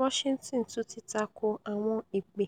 Washington tún ti tako àwọn ìpè